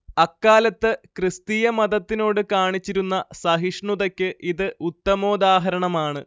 അക്കാലത്ത് ക്രിസ്തീയ മതത്തിനോട് കാണിച്ചിരുന്ന സഹിഷ്ണൂതക്ക് ഇത് ഉത്തമോദാഹരണമാണ്